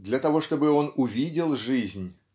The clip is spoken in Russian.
для того чтобы он увидел жизнь